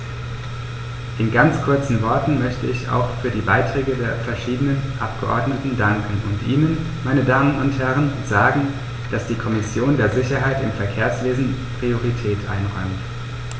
In ganz kurzen Worten möchte ich auch für die Beiträge der verschiedenen Abgeordneten danken und Ihnen, meine Damen und Herren, sagen, dass die Kommission der Sicherheit im Verkehrswesen Priorität einräumt.